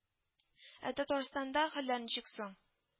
Ә Татарстанда хәлләр ничек соң